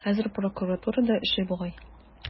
Хәзер прокуратурада эшли бугай.